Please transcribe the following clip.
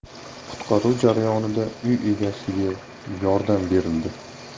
qutqaruv jarayonida uy egasiga yordam berildi